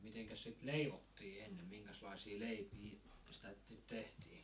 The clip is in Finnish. mitenkäs sitä leivottiin ennen minkäslaisia leipiä sitä - tehtiin